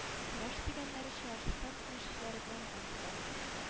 Көрәш дигәннәре чуашстан көрәшчеләре белән дан тота